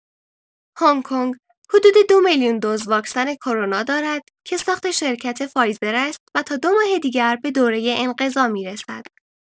هنگ‌کنگ حدود دو میلیون دوز واکسن کرونا دارد که ساخت شرکت فایزر است و تا دو ماه دیگر به دوره انقضا می‌رسد.